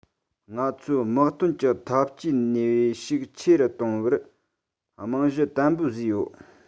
ང ཚོའི དམག དོན གྱི འཐབ ཇུས ནུས ཤུགས ཆེ རུ གཏོང བར རྨང གཞི བརྟན པོ བཟོས ཡོད